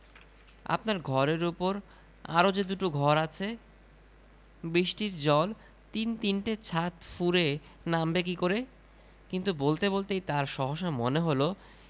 আপনার ঘরের উপর আরও যে দুটো ঘর আছে বৃষ্টির জল তিন তিনটে ছাত ফুঁড়ে নামবে কি করে কিন্তু বলতে বলতেই তাঁর সহসা মনে হলো